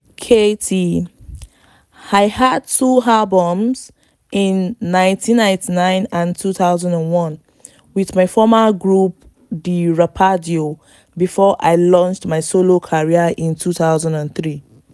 Keyti : I did two albums (in 1998 and 2001) with my former group the Rapadio before I launched my solo career in 2003.